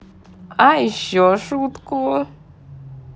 а еще шутку